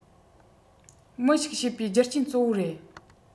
མི ཞིག བྱེད པའི རྒྱུ རྐྱེན གཙོ བོ རེད